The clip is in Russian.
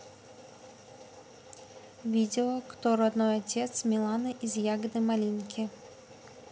видео кто родной отец миланы из ягоды малинки